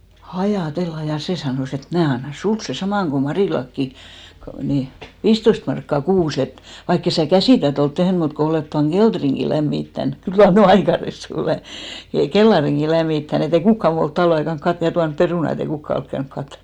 ajatella ja se sanoi että että minä annan sinulle sen saman kun Marillakin kun niin viisitoista markkaa kuussa että vaikka et sinä käsitöitä ole tehnyt mutta kun olet tuon kellarinkin lämmittänyt kyllä mar minä nyt aika ressu olen niin kellarinkin lämmittänyt että ei kukaan muu ole talven aikana katsonut ja tuonut perunat että ei kukaan ole käynyt katsomassa